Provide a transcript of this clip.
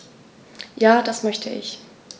Ja, das möchte ich.